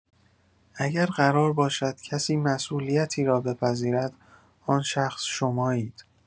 اگر قرار باشد کسی مسئولیتی را بپذیرد، آن شخص شمایید.